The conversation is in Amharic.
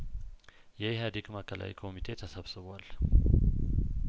የኢህአዴግ ማእከላዊ ኮሚቴ ተሰብስቧል